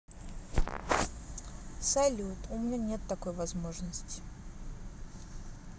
салют у меня нет такой возможности